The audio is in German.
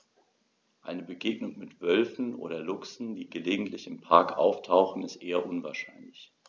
Eine Begegnung mit Wölfen oder Luchsen, die gelegentlich im Park auftauchen, ist eher unwahrscheinlich.